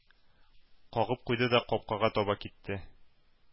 Кагып куйды да капкага таба китте.